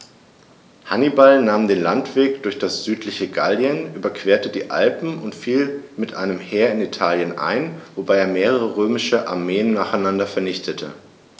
Hannibal nahm den Landweg durch das südliche Gallien, überquerte die Alpen und fiel mit einem Heer in Italien ein, wobei er mehrere römische Armeen nacheinander vernichtete.